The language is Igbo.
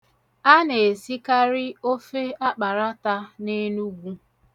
Ana-esikari ofe akparata n'Enugwu.